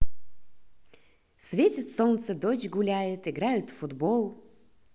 светит солнце дочь гуляет играют в футбол